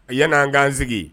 Aɛlɛn anan'an sigi